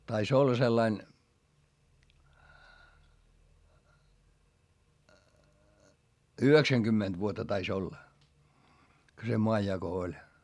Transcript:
taisi olla sellainen yhdeksänkymmentä vuotta taisi olla kun se maanjako oli